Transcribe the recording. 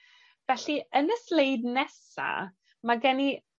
Felly yn y sleid nesa ma' gen i